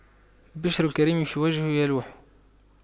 بِشْرُ الكريم في وجهه يلوح